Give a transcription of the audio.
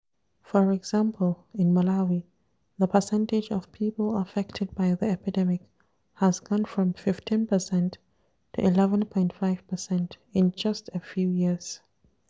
For example, in Malawi the percentage of people affected by the epidemic has gone from 15% to 11.5% in just a few years.